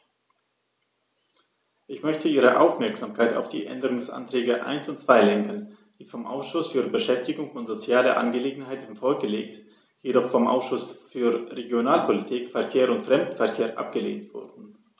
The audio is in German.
Ich möchte Ihre Aufmerksamkeit auf die Änderungsanträge 1 und 2 lenken, die vom Ausschuss für Beschäftigung und soziale Angelegenheiten vorgelegt, jedoch vom Ausschuss für Regionalpolitik, Verkehr und Fremdenverkehr abgelehnt wurden.